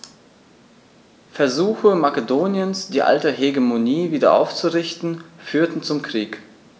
Versuche Makedoniens, die alte Hegemonie wieder aufzurichten, führten zum Krieg.